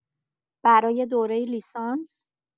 برای دوره لیسانس؟